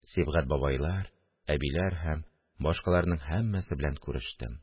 Сибгать бабайлар, әбиләр һәм башкаларның һәммәсе белән дә күрештем